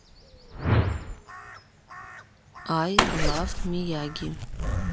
ай лав мияги